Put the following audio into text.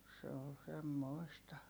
se oli semmoista